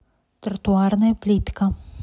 тротуарная плитка